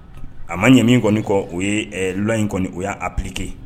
A ma ɲa kɔni kɔ o ye la in kɔni o y' a pprikike